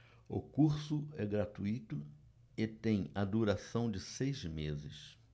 o curso é gratuito e tem a duração de seis meses